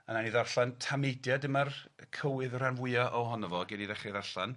A wna' ni ddarllen tameidia', dyma'r cywydd, rhan fwya' ohono fo, gei ddechra' ddarllen.